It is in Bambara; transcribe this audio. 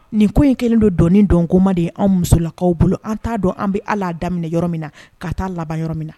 Nin ko in kɛlen don dɔn dɔnkoma de an musolakaw bolo an t'a dɔn an bɛ ala daminɛ yɔrɔ min na ka taa a laban yɔrɔ min